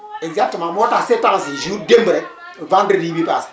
exactement moo tax ces temps ci jour démb rek vendredi bii paas